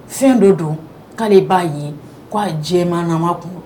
Fɛn dɔ don k'ale b'a ye k'a jɛmannama tun don